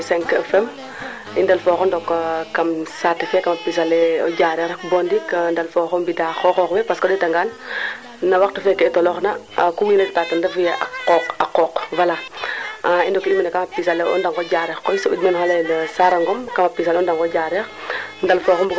i o foga Diarekh fo ke widna o Diarekh fop manaam commune Diarekh foke widna fop maxey simna nuun oxu refna fo no gonum fono simangolum xendana nuun yong jam \